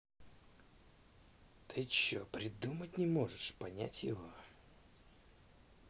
ты че придумать не можешь понять его